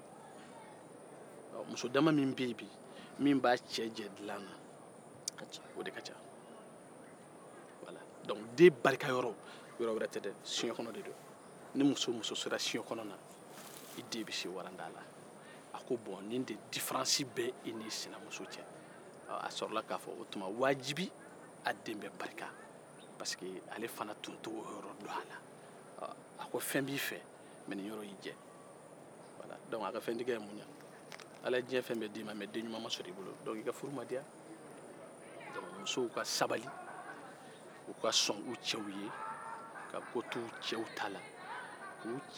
ɔ muso dama min bɛ yen bi min b'a cɛ jɛ dilanna o de ka ca donke den barikayɔrɔ yɔyɔ tɛ dɛ soɲɛkɔnɔ de do ni muso o muso sera soɲɛkɔnɔ na e den bɛ se waranda la a ko bɔn ni diferansi bɛ e n'i sinamusa cɛ a sɔrɔ la ka fɔ wajibi a den bɛ barika pasike ale fana tun t'o yɔrɔ dɔn a la a ko fɛn b'i fɛ nka ni yɔrɔ y'i jɛ donke a ka fɛntigiya ye mun ɲɛn ala ye diɲɛn fɛn bɛɛ d'i ma mɛ denɲuma ma sɔr'i bolo donke i ka furu ma diya musow ka sabali u ka sɔn u cɛw ye ka ko to u cɛw ta la k'u cɛw sutura